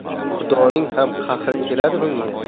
xudoning ham qahri keladi bunga